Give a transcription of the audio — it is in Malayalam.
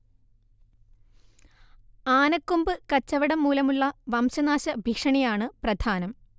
ആനക്കൊമ്പ് കച്ചവടം മൂലമുള്ള വംശനാശ ഭീഷണിയാണ്‌ പ്രധാനം